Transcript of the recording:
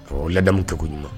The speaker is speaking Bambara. Ɔ ladamu tɛɲuman